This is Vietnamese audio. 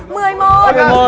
mười một